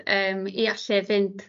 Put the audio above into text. yym i allu fynd